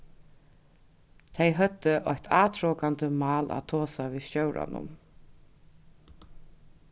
tey høvdu eitt átrokandi mál at tosa við stjóran um